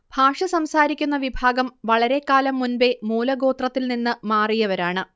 ഭാഷ സംസാരിക്കുന്ന വിഭാഗം വളരെക്കാലം മുൻപെ മൂലഗോത്രത്തിൽനിന്നു മാറിയവരാണ്